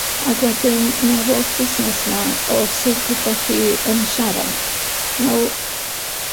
ag wedyn ma'r holl fusnas 'ma o sut ydach chi yn siarad wel,